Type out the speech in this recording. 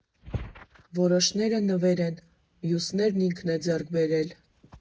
Որոշները նվեր են, մյուսներն ինքն է ձեռք բերել։